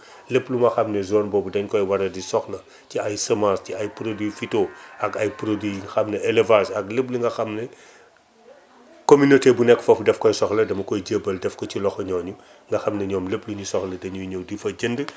lépp lu nga xam ne zone boobu dañ koy war a di soxla ci ay semences ci ay produits phyto ak ay produits yi nga xam ne élevage ak lépp li nga xam ne communauté bu nekk foofu daf koy soxla dama koy jébbal def ko ci loxo ñooñu nga xam ne ñoom lépp lu ñu soxla dañuy ñëw di fa jënd